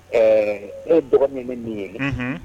Ɛɛ ne ye dɔgɔ min bɛ min ye